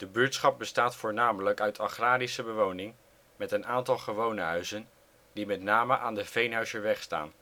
buurtschap bestaat voornamelijk uit agrarische bewoning met een aantal gewone huizen, die met name aan Veenhuizerweg staan